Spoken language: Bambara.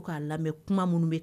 Ka lamɛn kuma munun be